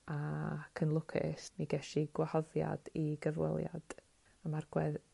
ac yn lwcus mi geshi gwahoddiad i gyfweliad a ma'r gwe-